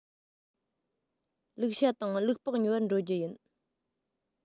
ལུག ཤ དང ལུག ལྤགས ཉོ བར འགྲོ རྒྱུ ཡིན